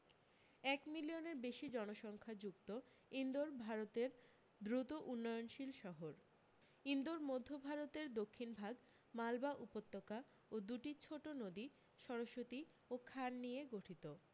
এক মিলিয়নের বেশী জনসংখ্যা যুক্ত ইন্দোর ভারতের দ্রুত উন্নয়নশীল শহর ইন্দোর মধ্য ভারতের দক্ষিণ ভাগ মালবা উপত্যকা ও দুটি ছোট নদী সরস্বতী ও খান নিয়ে গঠিত